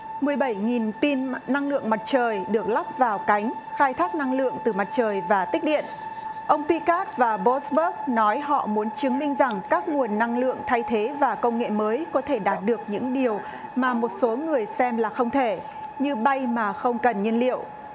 mười bảy nghìn pin năng lượng mặt trời được lắp vào cánh khai thác năng lượng từ mặt trời và tích điện ông pi cát và bốt bớt nói họ muốn chứng minh rằng các nguồn năng lượng thay thế và công nghệ mới có thể đạt được những điều mà một số người xem là không thể như bay mà không cần nhiên liệu